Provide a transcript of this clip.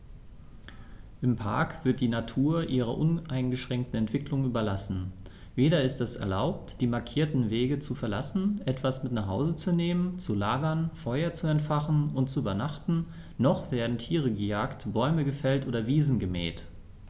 Im Park wird die Natur ihrer uneingeschränkten Entwicklung überlassen; weder ist es erlaubt, die markierten Wege zu verlassen, etwas mit nach Hause zu nehmen, zu lagern, Feuer zu entfachen und zu übernachten, noch werden Tiere gejagt, Bäume gefällt oder Wiesen gemäht.